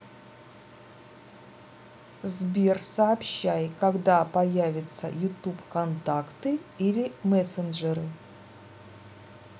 сбер сообщай когда появится youtube контакты или мессенджеры